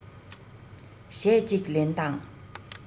གཞས གཅིག ལེན དང